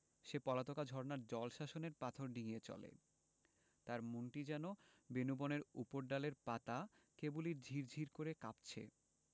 সে পলাতকা ঝরনার জল শাসনের পাথর ডিঙ্গিয়ে চলে তার মনটি যেন বেনূবনের উপরডালের পাতা কেবলি ঝির ঝির করে কাঁপছে